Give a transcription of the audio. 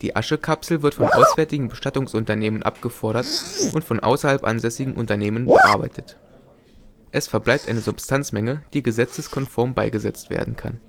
Aschekapsel wird von auswärtigen Bestattungsunternehmen abgefordert und von außerhalb ansässigen Unternehmen bearbeitet. Es verbleibt eine Substanzmenge, die gesetzeskonform beigesetzt werden kann